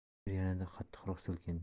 yer yanada qattiqroq silkindi